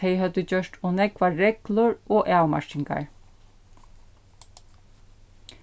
tey høvdu gjørt ov nógvar reglur og avmarkingar